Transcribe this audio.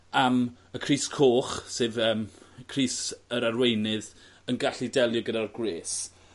am y crys coch sef yym crys yr arweinydd yn gallu delio gyda'r gwres.